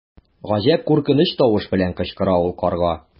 Гаҗәп куркыныч тавыш белән кычкыра ул карга.